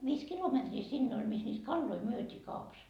viisi kilometriä sinne oli missä niitä kaloja myytiin kaupassa